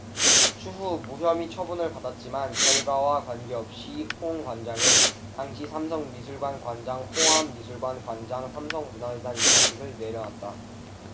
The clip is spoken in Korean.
추후 무혐의 처분을 받았지만 결과와 관계없이 홍 관장은 당시 삼성미술관 관장 호암미술관 관장 삼성문화재단 이사직을 내려놨다